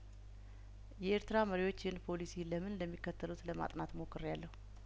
የኤርትራ መሪዎች ይህን ፖሊሲ ለምን እንደሚከተሉ ለማጥናት ሞክሬ አለሁ